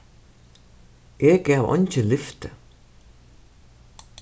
eg gav eingi lyfti